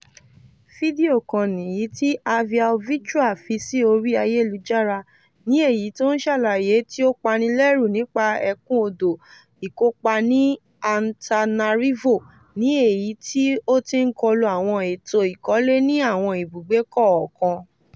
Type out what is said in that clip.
Fídíò kan nìyí tí avyalvitra fi sí orí ayélujára ní èyí tí ó ń ṣàlàyé tí ó bani lẹ́rù nípa ẹ̀kún odò Ikopa ní Antananarivo, ní èyí tí ó ti ń kọlu àwọn ètò ìkọ́lé ní àwọn ibùgbé kọ̀ọ̀kan.